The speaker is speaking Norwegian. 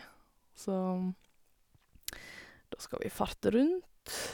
Så da skal vi farte rundt.